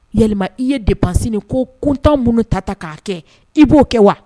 Yalima i ye depenses kuntan minnu ta ta k'a kɛ i b'o kɛ wa?